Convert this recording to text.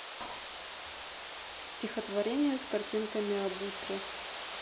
стихотворение с картинками об утре